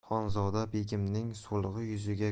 xonzoda begimning so'lg'in yuziga